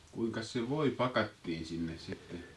kuinkas se voi pakattiin sinne sitten